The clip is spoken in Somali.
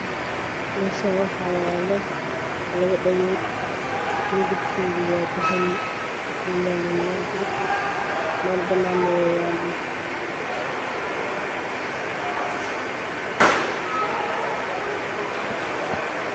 Waa miis waxaa saaran laba dhogood oo midabkoodu yahay dahabi kalarkiisu waa cadaan